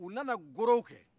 u nana gorow kɛ